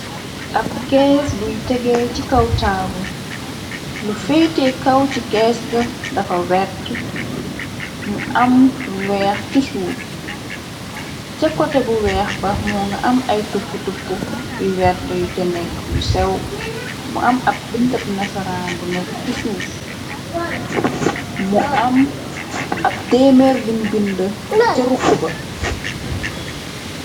Ab kees guy tegee ci kaw taabul lu feyte kaw ci kees ga dafa werte mu am lu weex ci suuf cha kote bu weex ba moo nga am ay tup tup yu wert yu ca nekk yu sew mu am ab bindab nasaraan bu nekk ci suuf mu am ab 1emeer buñ binda cha rukku ba.